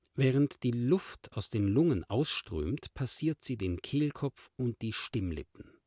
Während die Luft aus den Lungen ausströmt, passiert sie den Kehlkopf und die Stimmlippen